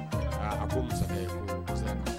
A ko masakɛ